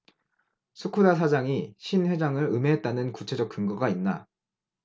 스쿠다 사장이 신 회장을 음해했다는 구체적 근거가 있나